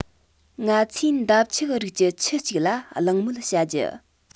ང ཚོས འདབ ཆགས རིགས ཀྱི ཁྱུ གཅིག ལ གླེང མོལ བྱ རྒྱུ